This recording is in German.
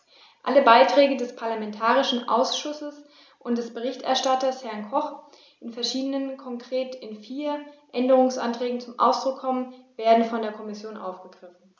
Alle Beiträge des parlamentarischen Ausschusses und des Berichterstatters, Herrn Koch, die in verschiedenen, konkret in vier, Änderungsanträgen zum Ausdruck kommen, werden von der Kommission aufgegriffen.